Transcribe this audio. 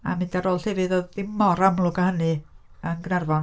..A mynd ar ôl llefydd a oedd ddim mor amlwg â hynny, yn Gaernarfon.